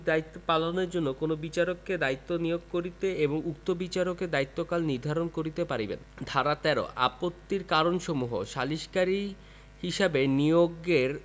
দায়িত্ব পালনের জন্য কোন বিচারককে দায়িত্বে নিয়োগ করিতে এবং উক্ত বিচারকের দায়িত্বকাল নির্ধারণ করিতে পারিবেন ধারা ১৩ আপত্তির কারণসমূহ সালিসকারী হিসাবে নিয়োগের